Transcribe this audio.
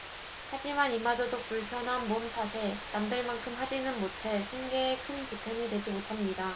하지만 이마저도 불편한 몸 탓에 남들만큼 하지는못해 생계에 큰 보탬이 되지 못합니다